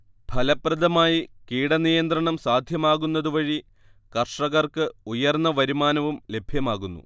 ഫലപ്രദമായി കീടനിയന്ത്രണം സാധ്യമാകുന്നതുവഴി കർഷകർക്ക് ഉയർന്ന വരുമാനവും ലഭ്യമാകുന്നു